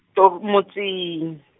motseng.